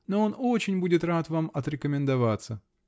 Но он очень будет рад вам отрекомендоваться .